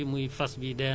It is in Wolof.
pour mu defar loolu